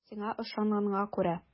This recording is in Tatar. Сиңа ышанганга күрә.